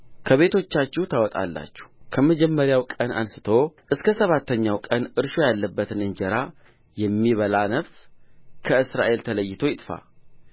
ከቤታችሁ ታወጣላችሁ ከመጀመሪያውም ቀን አንሥቶ እስከ ሰባተኛው ቀን እርሾ ያለበትን እንጀራ የሚበላ ነፍስ ከእስራኤል ተለይቶ ይጥፋ